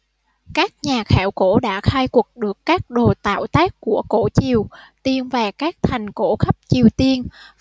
các nhà khảo cổ đã khai quật được các đồ tạo tác của cổ triều tiên và các thành cổ khắp triều tiên